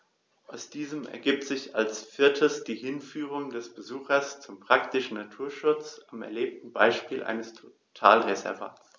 Aus diesen ergibt sich als viertes die Hinführung des Besuchers zum praktischen Naturschutz am erlebten Beispiel eines Totalreservats.